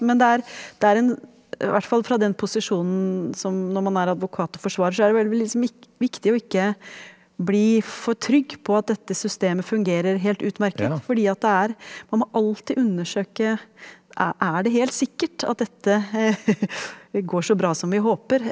men det der det er en hvert fall fra den posisjonen som når man er advokat og forsvarer så er det liksom viktig å ikke bli for trygg på at dette systemet fungerer helt utmerket fordi at det er man må alltid undersøke, er er det helt sikkert at dette går så bra som vi håper?